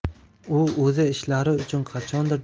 u o'zi ishlari uchun qachondir